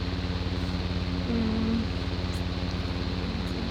Ja, hva kan jeg si?